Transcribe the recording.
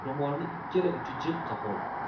ro'molini ikkala uchi jiqqa ho'l